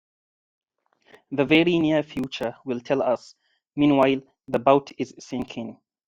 The very near future will tell us. Meanwhile, the boat is sinking.